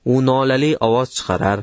u nolali ovoz chiqarar